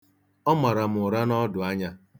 Ọ mara m ụra n'ọdụanya.